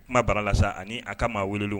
Kuma bara la sa ani ka maa wele